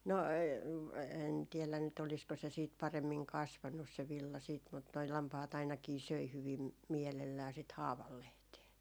no en tiedä nyt olisiko se sitten paremmin kasvanut se villa sitten mutta nuo lampaat ainakin söi hyvin mielellään sitä haavanlehteä